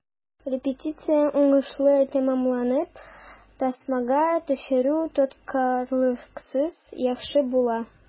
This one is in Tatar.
Репетиция уңышлы тәмамланып, тасмага төшерү тоткарлыксыз яхшы була.